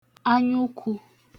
anyụkụ̄